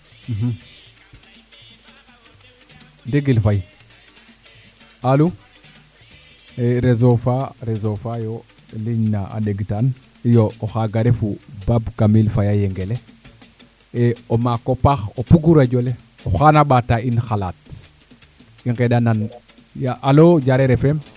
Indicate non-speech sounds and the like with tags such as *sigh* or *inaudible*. *hesitation* *hesitation* ndingil Faye Alo réseau faa reseau faa yo ligne na a ɗeng taan iyo o xaaga refu Bab Kamil Faye a Yengele o maako paax o pugu radio le fo oxa na ɓaata in xalaat i ŋeɗanan Alo Diarer Fm